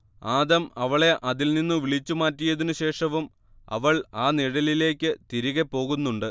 ആദം അവളെ അതിൽ നിന്നു വിളിച്ചു മാറ്റിയതിനു ശേഷവും അവൾ ആ നിഴലിലേയ്ക്ക് തിരികേ പോകുന്നുണ്ട്